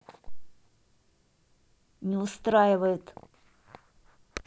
не устраивает